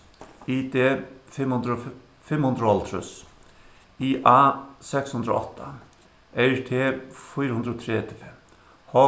i d fimm hundrað og fimm hundrað og hálvtrýss i a seks hundrað og átta r t fýra hundrað og tretivu h